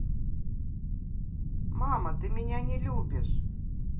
мама ты меня не любишь